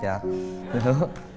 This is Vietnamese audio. dạ con hứa